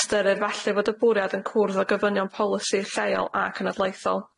Ystyrir felly fod y bwriad yn cwrdd â gofynion polisi lleol ac yn adlaethol.